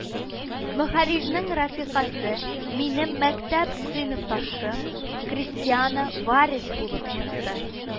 Мөхәррирнең рәфикасе минем мәктәп сыйныфташым Кристиана Варез булып чыкты